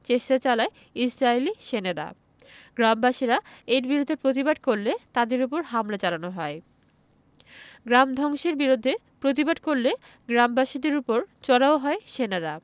চেষ্টা চালায় ইসরাইলি সেনারা গ্রামবাসীরা এর বিরুদ্ধে প্রতিবাদ করলে তাদের ওপর হামলা চালানো হয় গ্রাম ধ্বংসের বিরুদ্ধে প্রতিবাদ করলে গ্রামবাসীদের ওপর চড়াও হয় সেনারা